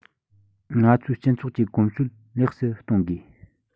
ང ཚོའི སྤྱི ཚོགས ཀྱི གོམས སྲོལ ལེགས སུ གཏོང དགོས